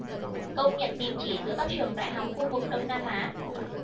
công nhận tín chỉ giữa các trường đại học khu vực đông nam á